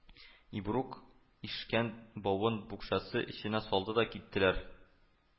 Ибрук ишкән бавын букчасы эченә салды да киттеләр